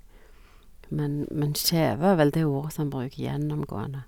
men Men skeva er vel det ordet som han bruker gjennomgående.